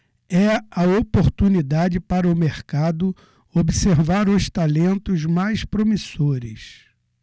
é a oportunidade para o mercado observar os talentos mais promissores